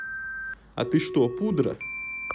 а ты что пудра